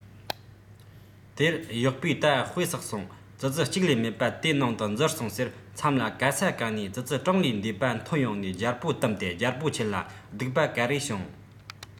དེར གཡོག པོས ད དཔེ བསགས སོང ཙི ཙི གཅིག ལས མེད པ དེ ནང དུ འཛུལ སོང ཟེར མཚམས ལ ག ས ག ནས ཙི ཙི གྲངས ལས འདས པ ཐོན ཡོང ནས རྒྱལ པོ བཏུམས ཏེ རྒྱལ པོ ཁྱེད ལ སྡུག པ ག རེ བྱུང